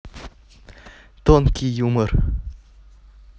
тонкий юмор